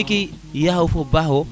o geki ya of fo ba of